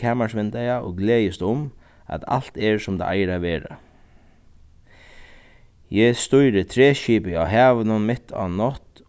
kamarsvindeygað og gleðist um at alt er sum tað eigur at vera eg stýri træskipi á havinum mitt á nátt